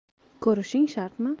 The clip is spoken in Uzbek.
ko'rishing shartmi